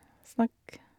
Snakk.